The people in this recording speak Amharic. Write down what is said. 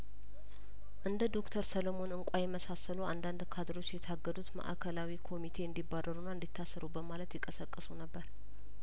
እንደ ዶክተር ሰለሞን እንቋይ የመሳሰሉ አንዳንድ ካድሬዎች የታገዱት ማእከላዊ ኮሚቴ እንዲ ባረሩና እንዲታስሩ በማለት ይቀሰቅሱ ነበር